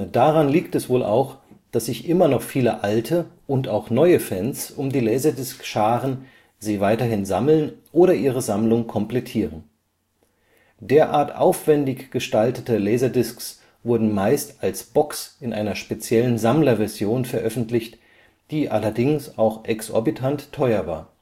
Daran liegt es wohl auch, dass sich immer noch viele alte (und auch neue) Fans um die Laserdisc scharen, sie weiterhin sammeln oder ihre Sammlung komplettieren. Derart aufwendig gestaltete Laserdiscs wurden meist als Box in einer speziellen Sammlerversion veröffentlicht, die allerdings auch exorbitant teuer war